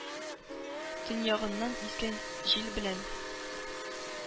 Төньягыннан искән җил белән.